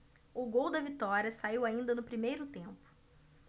o gol da vitória saiu ainda no primeiro tempo